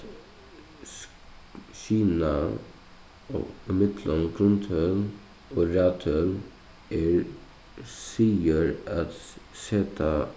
skyna ímillum grundtøl og raðtøl er siður at seta